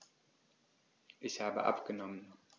Ich habe abgenommen.